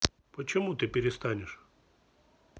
почему ты перестанешь